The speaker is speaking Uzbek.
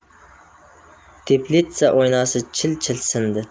teplitsa oynasi chil chil sindi